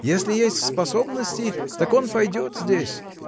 если есть способности, так он пойдет здесь.